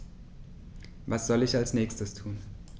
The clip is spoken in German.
Was soll ich als Nächstes tun?